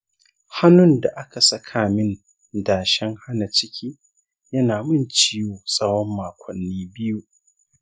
hanun da aka saka min dashen hana ciki yana min ciwo tsawon makonni biyu.